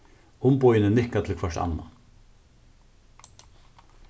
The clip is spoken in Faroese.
umboðini nikka til hvørt annað